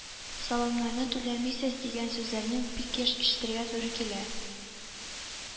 Салымнарны түләмисез дигән сүзләрен бик еш ишетергә туры килә